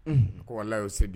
Unhun ko walahi o se bi